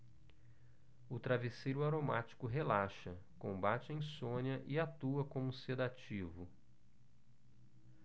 o travesseiro aromático relaxa combate a insônia e atua como sedativo